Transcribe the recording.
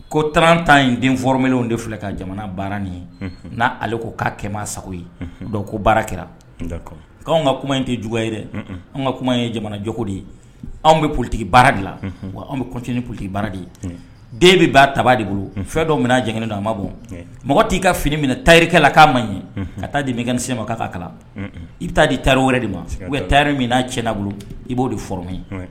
Ko tan tan in den flenw de filɛ ka jamana baara nin ye n'a ale ko k'a kɛ sagogo ye ko baara kɛra anw ka kuma in tɛ juguya ye dɛ anw ka kuma in ye jamana jago de ye anw bɛ politigi baara dilan anw bɛ politigi baara de ye den bɛ' tabaa de bolo fɛn dɔ min jɛ don an ma bɔ mɔgɔ t'i ka fini minɛ tarikɛla la k'a ma ɲɛ ka taa di min kɛ se ma' ka kalan i bɛ taa di tari wɛrɛ de ma u ta min'a cɛ' bolo i b'o de fma ye